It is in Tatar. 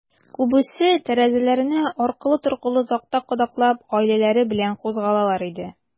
Күбесе, тәрәзәләренә аркылы-торкылы такта кадаклап, гаиләләре белән кузгалалар иде.